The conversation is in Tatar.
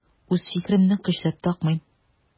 Үз фикеремне көчләп такмыйм.